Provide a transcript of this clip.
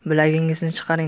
bilagingizni chiqaring